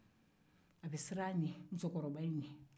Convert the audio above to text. a bɛ siran musokɔrɔba in ɲɛ